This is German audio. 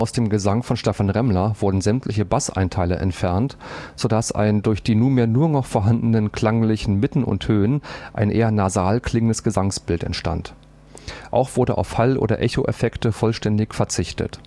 dem Gesang von Stephan Remmler wurden sämtliche Bassanteile entfernt, sodass ein durch die nunmehr nur noch vorhandenen klanglichen Mitten und Höhen ein eher nasal klingendes Gesangsbild entstand. Auch wurde auf Hall - oder Echoeffekte vollständig verzichtet